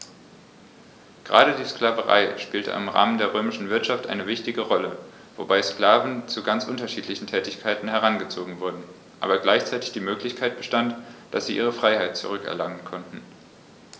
Gerade die Sklaverei spielte im Rahmen der römischen Wirtschaft eine wichtige Rolle, wobei die Sklaven zu ganz unterschiedlichen Tätigkeiten herangezogen wurden, aber gleichzeitig die Möglichkeit bestand, dass sie ihre Freiheit zurück erlangen konnten.